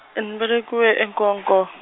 en velekiwe e Nkonko.